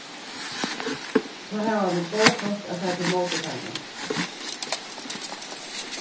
tá hava vit góð fólk at taka ímóti teimum